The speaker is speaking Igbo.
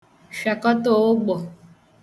fhị̀akọta ụ̀ụgbọ̀